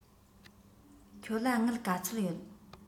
ཁྱོད ལ དངུལ ག ཚོད ཡོད